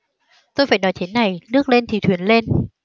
tôi phải nói thế này nước lên thì thuyền lên